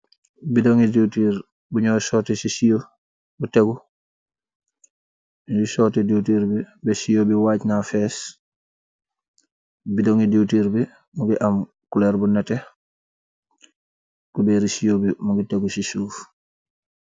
Bidong ngi diwtur, buñooy sooti ci si bu tegu yuy sooti diwtur bi be siyow bi waaj na fees. Bidong ngi diwtur bi mu ngi am culeer bu neteh, ku beeri siyowbi mu ngi tegu ci suuf.